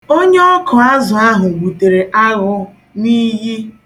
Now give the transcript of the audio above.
Onye ọkụazụ ahụ gbutere aghụ na iyi.